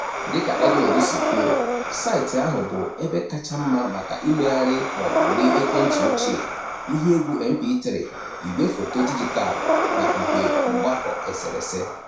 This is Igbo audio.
Dịka Edward si kwuo, saịtị ahụ “bụ ebe kacha mma maka imegharị maọbụ ree ekwentị ochie, ihe egwu mp3, igwefoto dijitaalụ na igwemgbakọ eserese.